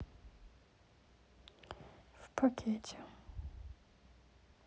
в пакете